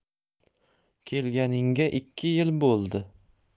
kelganingga ikki yil bo'ldi